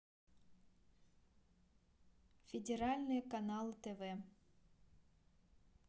федеральные каналы тв